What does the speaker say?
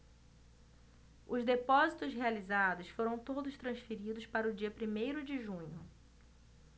os depósitos realizados foram todos transferidos para o dia primeiro de junho